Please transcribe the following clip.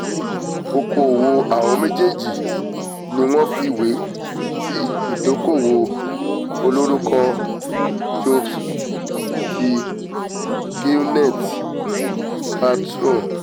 Oko-òwò àwọn méjèèjì ni wọ́n fiwe ti ìdókóòwò olórúkọ Goop ti Gwyneth Paltrow.